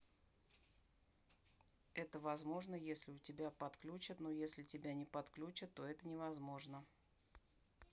это возможно если у тебя подключат но если тебя не подключат то это невозможно